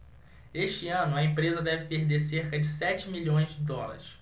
este ano a empresa deve perder cerca de sete milhões de dólares